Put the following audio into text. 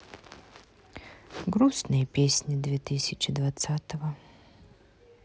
грустные песни две тысячи двадцатого